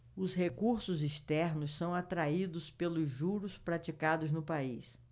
os recursos externos são atraídos pelos juros praticados no país